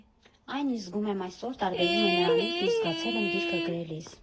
Այն ինչ զգում եմ այսօր, տարբերվում է նրանից, ինչ զգացել եմ գիրքը գրելիս։